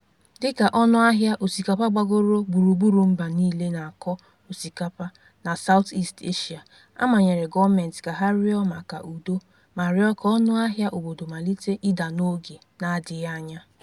Dịka ọnụahịa osikapa gbagoro gburugburu mba niile na-akọ osikapa na Southeast Asia, a manyere gọọmentị ka ha rịọ maka udo ma rịọ ka ọnụahịa obodo malite ịda n'oge n'adịghị anya.